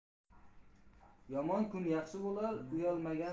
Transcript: dard boshqa ajal boshqa